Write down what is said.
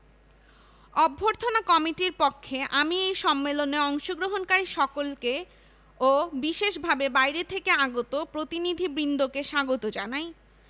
অভ্যর্থনা কমিটির পক্ষে আমি এই সম্মেলনে অংশগ্রহণকারী সকলকে ও বিশেষভাবে বাইরে থেকে আগত প্রতিনিধিবৃন্দকে স্বাগত জানাই